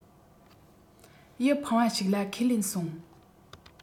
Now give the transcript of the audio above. ཡིད ཕངས བ ཞིག ལ ཁས ལེན སོང